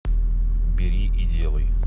бери и делай